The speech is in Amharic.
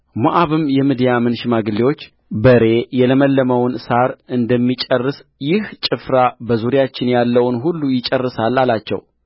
ሞዓብም የምድያምን ሽማግሌዎች በሬ የለመለመውን ሣር እንደሚጨርስ ይህ ጭፍራ በዙሪያችን ያለውን ሁሉ ይጨርሳል አላቸው